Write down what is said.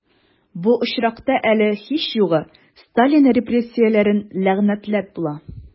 Бу очракта әле, һич югы, Сталин репрессияләрен ләгънәтләп була...